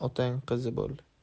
otang qizi bo'l